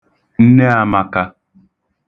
Nneāmākā